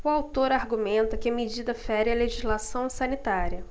o autor argumenta que a medida fere a legislação sanitária